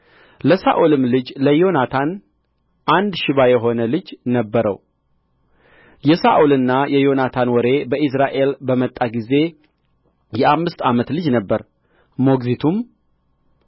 ለሳኦልም ልጅ ለዮናታን አንድ ሽባ የሆነ ልጅ ነበረው የሳኦልና የዮናታን ወሬ ከኢይዝራኤል በመጣ ጊዜ የአምስት ዓመት ልጅ ነበረ ሞግዚቱም